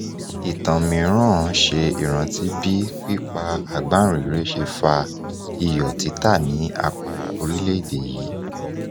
Ìtàn mìíràn ṣe ìrántí bí pípa àgbànrere kan ṣe fa iyọ̀ títà ní apá orílẹ̀-èdè yìí.